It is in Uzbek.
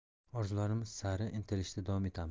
orzularimiz sari intilishda davom etamiz